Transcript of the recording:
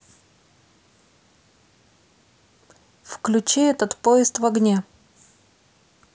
включи этот поезд в огне